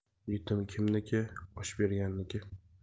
yetim kimniki osh berganniki